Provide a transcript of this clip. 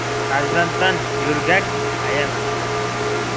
farzanddan yo'rgak ayama